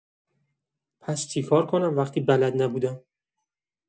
پس چیکار کنم وقتی بلد نبودم؟